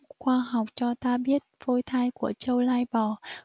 khoa học cho ta biết phôi thai của trâu lai bò